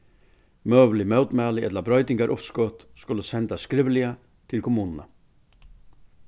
møgulig mótmæli ella broytingaruppskot skulu sendast skrivliga til kommununa